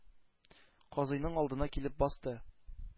Казыйның алдына килеп басты.